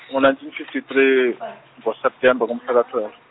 ngo- nineteen fifty three , ngo- September, ngomhla ka- twelve.